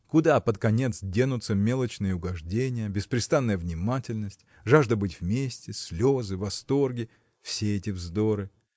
Куда под конец денутся мелочные угождения беспрестанная внимательность жажда быть вместе слезы восторги – все эти вздоры?